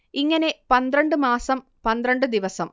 ഇങ്ങനെ പന്ത്രണ്ട് മാസം പന്ത്രണ്ട് ദിവസം